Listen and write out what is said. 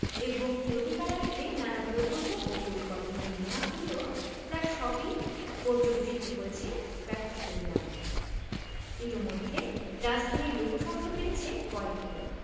এবং প্রতিকারার্থে নানা প্রকল্প ও পরিকল্পনা নেয়া হলেও প্রায় সবই পর্যবসিত হয়েছে ব্যর্থ পরিণামে ইতোমধ্যে রাজধানীর লোকসংখ্যা বেড়েছে কয়েকগুণ